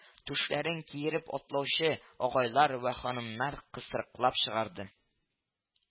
Түшләрен киереп атлаучы агайлар вә ханымнар кысрыклап чыгарды